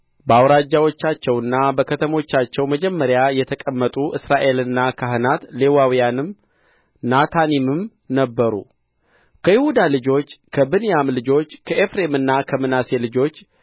በአውራጃዎቻቸውና በከተሞቻቸው መጀመሪያ የተቀመጡ እስራኤልና ካህናት ሌዋውያንም ናታኒምም ነበሩ ከይሁዳ ልጆችና ከብንያም ልጆች ከኤፍሬምና ከምናሴ ልጆች